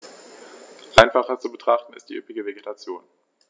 Einfacher zu betrachten ist die üppige Vegetation.